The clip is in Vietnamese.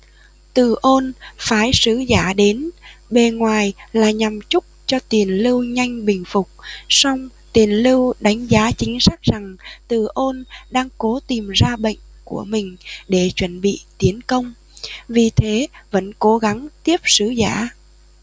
từ ôn phái sứ giả đến bề ngoài là nhằm chúc cho tiền lưu nhanh bình phục song tiền lưu đánh giá chính xác rằng từ ôn đang cố tìm ra bệnh của mình để chuẩn bị tiến công vì thế vẫn cố gắng tiếp sứ giả